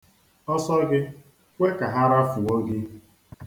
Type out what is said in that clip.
Ọ sọ gị, kwe ka ha rafuo gị.